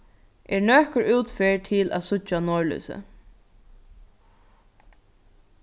er nøkur útferð til at síggja norðlýsið